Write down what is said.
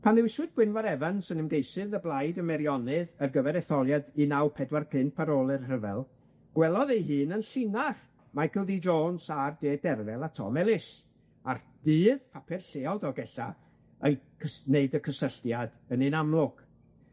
Pan ddewiswyd Gwynfor Evans yn ymgeisydd y blaid ym Meirionydd ar gyfer etholiad un naw pedwar pump ar ôl yr rhyfel, gwelodd ei hun yn llinach Michael Dee Jones a Dave Derfel a Tom Ellis, a'r Dydd papur lleol Dogella ei cys- wneud y cysylltiad yn un amlwg,